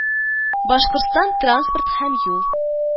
Башкортстан транспорт һәм юл